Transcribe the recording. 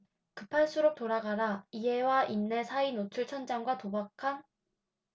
급할수록 돌아가라 이해와 인내 사이노출 천장과 도장한 벽체로 포인트를 준 주택 방 모습